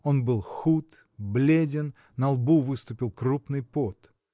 Он был худ, бледен, на лбу выступил крупный пот.